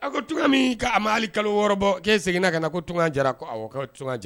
A ko tun min ka a ma kalo wɔɔrɔbɔ' seginna ka na ko tun jara jara